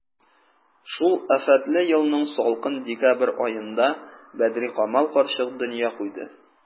Шул афәтле елның салкын декабрь аенда Бәдрикамал карчык дөнья куйды.